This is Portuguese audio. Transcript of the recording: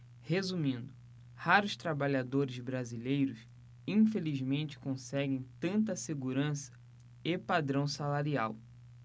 resumindo raros trabalhadores brasileiros infelizmente conseguem tanta segurança e padrão salarial